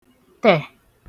-tẹ̀